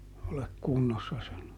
ole kunnossa sano